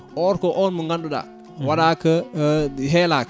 or que on mon ganduɗa waɗaka heelaka